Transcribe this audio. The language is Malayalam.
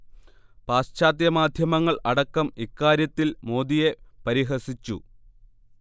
പാശ്ചാത്യ മാദ്ധ്യമങ്ങൾ അടക്കം ഇക്കാര്യത്തിൽ മോദിയെ പരിഹസിച്ചു